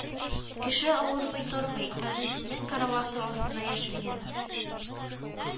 Кеше авырмый тормый, анүзенең караваты астына яшергән